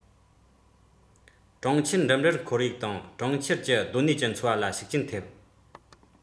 གྲོང ཁྱེར འགྲིམ འགྲུལ ཁོར ཡུག དང གྲོང ཁྱེར གྱི སྡོད གནས ཀྱི འཚོ བ ལ ཤུགས རྐྱེན ཐེབས